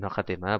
unaqa dema